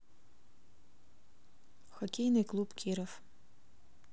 хоккейный клуб киров